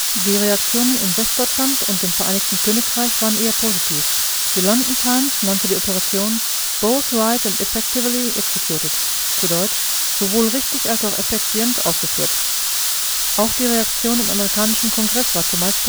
Die Reaktionen in Westdeutschland und dem Vereinigten Königreich waren eher positiv, die London Times nannte die Operation “both right and effectively executed” (deutsch: „ sowohl richtig als auch effizient ausgeführt “). Auch die Reaktion im amerikanischen Kongress war zumeist